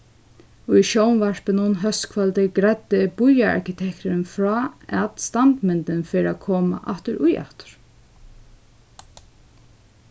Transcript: í sjónvarpinum hóskvøldið greiddi býararkitekturin frá at standmyndin fer at koma afturíaftur